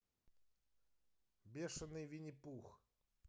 бешеный винни пух